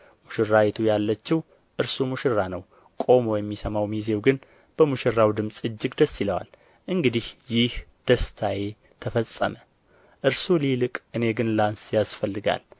ሙሽራይቱ ያለችው እርሱ ሙሽራ ነው ቆሞ የሚሰማው ሚዜው ግን በሙሽራው ድምጽ እጅግ ደስ ይለዋል እንግዲህ ይህ ደስታዬ ተፈጸመ እርሱ ሊልቅ እኔ ግን ላንስ ያስፈልጋል